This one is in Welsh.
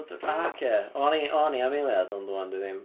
Ocê, o'n i o'n i am eiliad, ond 'wan dwi ddim.